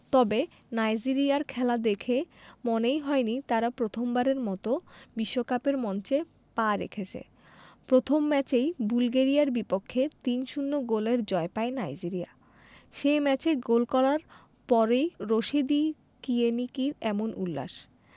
তবে নাইজেরিয়ার খেলা দেখে মনেই হয়নি তারা প্রথমবারের মতো বিশ্বকাপের মঞ্চে পা রেখেছে প্রথম ম্যাচেই বুলগেরিয়ার বিপক্ষে ৩ ০ গোলের জয় পায় নাইজেরিয়া সে ম্যাচে গোল করার পরই রশিদী কিয়েনিকির এমন উল্লাস